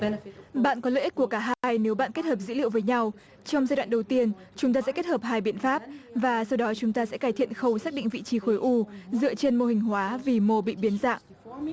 bạn có lễ của cả hai nếu bạn kết hợp dữ liệu với nhau trong giai đoạn đầu tiên chúng ta sẽ kết hợp hai biện pháp và sau đó chúng ta sẽ cải thiện khâu xác định vị trí khối u dựa trên mô hình hóa vì mô bị biến dạng